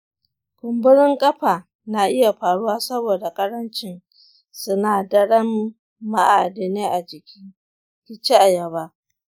ƙumburin ƙafa na iya faruwa saboda ƙarancin sinadaran ma’adinai a jiki ; ki ci ayaba.